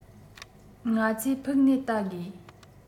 ང ཚོས ཕུགས ནས བལྟ དགོས